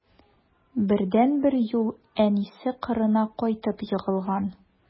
Бердәнбер юл: әнисе кырына кайтып егылган.